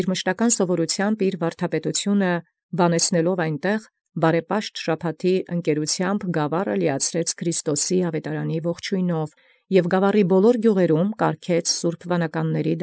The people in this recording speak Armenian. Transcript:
Եւ անդ ընդելական սովորութեամբն ի կիր արկեալ զվարդապետութիւնն՝ հաւասարութեամբն բարեպաշտին Շաբաթայ, լի առնէր զգաւառն ողջունիւ աւետարանին Քրիստոսի. և կարգէր յամենայն գիւղս գաւառին դասս սրբոց վանականաց։